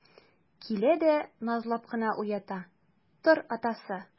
Килә дә назлап кына уята: - Тор, атасы!